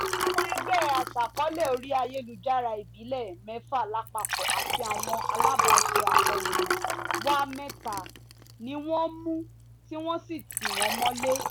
Àwọn ọmọ ẹgbẹ́ aṣàkoọ́lẹ̀ orí ayélujára ìbílẹ̀ mẹ́fà lápapọ̀ àti àwọn alábàáṣe akọ̀ròyìn wa mẹ́ta ni wọ́n mú tí wọ́n sì tì wọ́n mọ́lé.